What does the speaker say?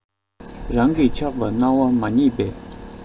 རང གི ཆགས པ སྣང བ མ ངེས པས